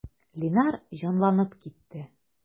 Линар җанланып китте.